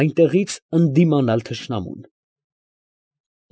Այնտեղից ընդդիմանալ թշնամուն։